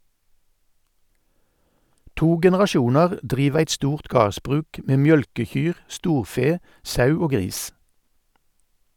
To generasjonar driv eit stort gardsbruk med mjølkekyr, storfe, sau og gris.